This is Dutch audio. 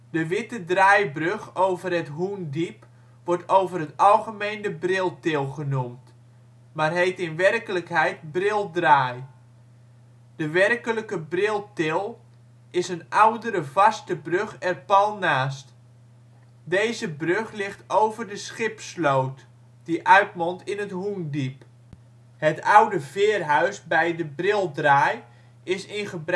De witte draaibrug over het Hoendiep wordt over het algemeen de Briltil goenoemd, maar heet in werkelijkheid Brildraai. De werkelijke Briltil is een oudere vaste brug er pal naast. Deze brug ligt over de Schipsloot, die uitmondt in het Hoendiep. Het oude Veerhuis bij de Brildraai is